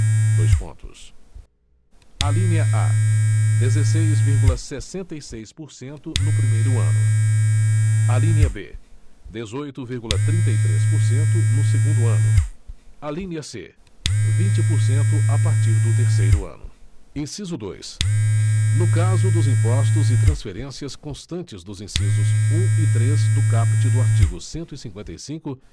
dois pontos alínea a dezesseis inteiros e sessenta e seis centésimos por cento no primeiro ano alínea b dezoito inteiros e trinta e três centésimos por cento no segundo ano alínea c vinte por cento a partir do terceiro ano inciso dois no caso dos impostos e transferências constantes dos incisos um e três do caput do artigo cento e cinquenta e cinco